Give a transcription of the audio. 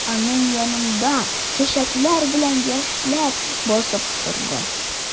Аның янында чәчәкләр белән яшьләр басып торды.